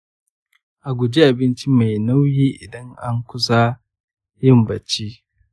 a guji abinci mai nauyi idan an kusa yin bacci.